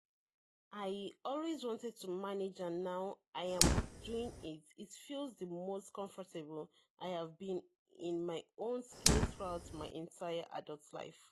I always wanted to manage and now I am doing it, it feels the most comfortable I have been in my own skin throughout my entire adult life."